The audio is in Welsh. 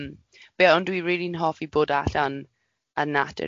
Yym yeah, ond dwi rili'n hoffi bod allan yn natur.